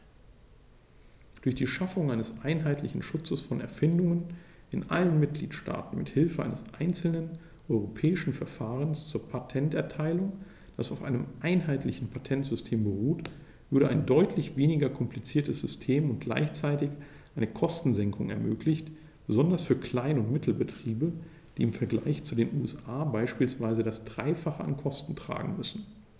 Durch die Schaffung eines einheitlichen Schutzes von Erfindungen in allen Mitgliedstaaten mit Hilfe eines einzelnen europäischen Verfahrens zur Patenterteilung, das auf einem einheitlichen Patentsystem beruht, würde ein deutlich weniger kompliziertes System und gleichzeitig eine Kostensenkung ermöglicht, besonders für Klein- und Mittelbetriebe, die im Vergleich zu den USA beispielsweise das dreifache an Kosten tragen müssen.